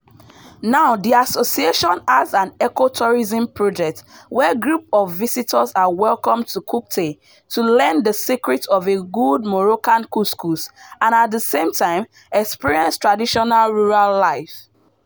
Now the association has an eco-tourism project where groups of visitors are welcomed to Khoukhate to learn the secrets of a good Moroccan couscous, and at the same time experience traditional rural life.